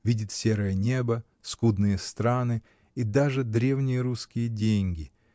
Видит серое небо, скудные страны и даже древние русские деньги